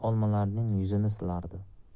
olmalarning yuzini silardi